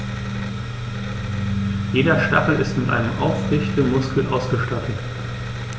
Jeder Stachel ist mit einem Aufrichtemuskel ausgestattet.